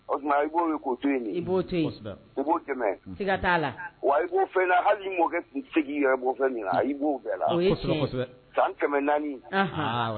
O tuma i b'o koo to yen nin i b'o to i b'o tɛmɛ t la wa i b'o fɛ la hali mɔkɛ tun se i yɛrɛ bɔfɛ min na a b'o fɛ san kɛmɛ naani